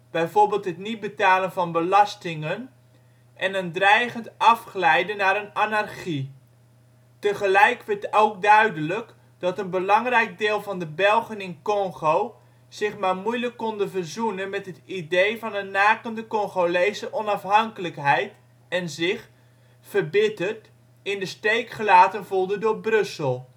bijvoorbeeld het niet betalen van belastingen) en een dreigend afglijden naar een anarchie. Tegelijk werd ook duidelijk dat een belangrijk deel van de Belgen in Congo zich maar moeilijk konden verzoenen met de idee van een nakende Congolese onafhankelijkheid, en zich, verbitterd, in de steek gelaten voelden door Brussel